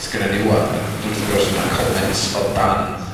sgenna ni ŵan, mae, wrth gwrs ma' 'na comments o dan